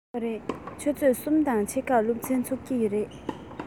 ཡོད རེད ཆུ ཚོད གསུམ དང ཕྱེད ཀར སློབ ཚན ཚུགས ཀྱི རེད